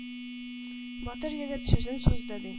Батыр егет сүзен сузды, ди: